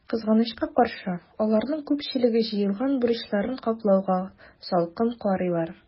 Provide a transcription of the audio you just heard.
Кызганычка каршы, аларның күпчелеге җыелган бурычларын каплауга салкын карыйлар.